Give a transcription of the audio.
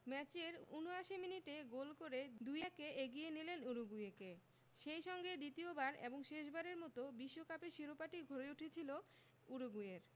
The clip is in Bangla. ম্যাচের ৭৯ মিনিটে গোল করে ২ ১ এ এগিয়ে নিলেন উরুগুয়েকে সেই সঙ্গে দ্বিতীয়বার এবং শেষবারের মতো বিশ্বকাপের শিরোপাটি ঘরে উঠেছিল উরুগুয়ের